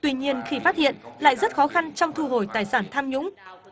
tuy nhiên khi phát hiện lại rất khó khăn trong thu hồi tài sản tham nhũng